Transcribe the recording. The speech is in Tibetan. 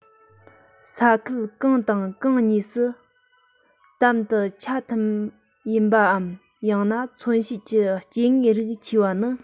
ས ཁུལ གང དང གང གཉིས སུ དམ དུ ཆ མཐུན ཡིན པའམ ཡང ན མཚོན བྱེད ཀྱི སྐྱེ དངོས རིགས མཆིས པ ནི